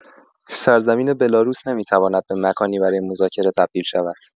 سرزمین بلاروس نمی‌تواند به مکانی برای مذاکره تبدیل شود.